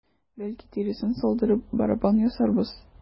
Бәлки, тиресен салдырып, барабан ясарбыз?